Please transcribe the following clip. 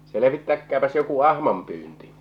selvittäkääpäs joku ahmanpyynti